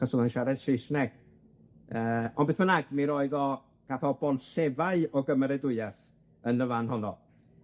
achos o'dd o'n siarad Saesneg, yy on beth bynnag, mi roedd o, gath o bonllefau o gymeradwyath yn y fan honno,